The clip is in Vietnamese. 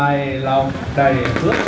quay